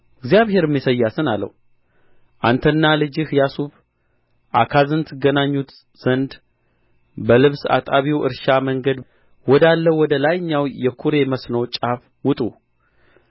እግዚአብሔርም ኢሳይያስን አለው አንተና ልጅህ ያሱብ አካዝን ትገናኙት ዘንድ በልብስ አጣቢው እርሻ መንገድ ወዳለው ወደ ላይኛው የኵሬ መስኖ ጫፍ ውጡ